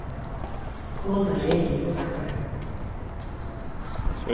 kona regin er sangari